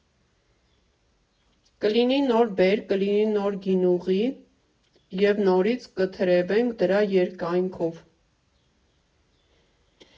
Կլինի նոր բերք, կլինի նոր գինուղի և նորից կթրևենք դրա երկայնքով։